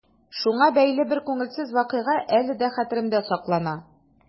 Шуңа бәйле бер күңелсез вакыйга әле дә хәтеремдә саклана.